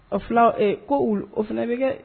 Ɔ fila ko o fana bɛ kɛ